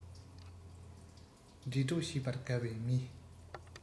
འདྲི རྟོགས བྱེད པར དགའ བའི མི